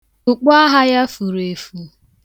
Okpuagha ya furu efu.